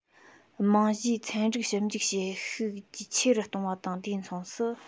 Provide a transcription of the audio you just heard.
རྨང གཞིའི ཚན རིག ཞིབ འཇུག བྱེད ཤུགས ཆེ རུ གཏོང བ དང དུས མཚུངས སུ